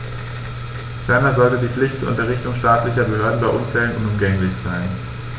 Ferner sollte die Pflicht zur Unterrichtung staatlicher Behörden bei Unfällen unumgänglich sein.